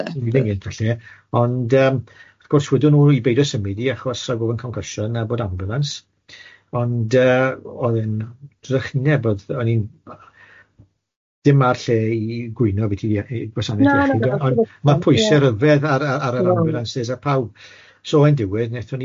mynd yn gynt falle ond yym wrth gwrs wedon n'w i beido symud 'i achos rhag ofon concusion a bod ambulance ond yy o'dd e'n drychineb o'dd o'n i'n ddim ma'r lle i gwyno biti'r gwasanaeth iechyd ond ma' pwyse ryfedd ar ar yr ambulances a pawb so yn diwedd nathon ni triage